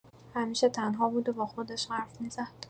همیشه تنها بود و با خودش حرف می‌زد.